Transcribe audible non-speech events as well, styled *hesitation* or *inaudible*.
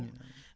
*hesitation* *hesitation*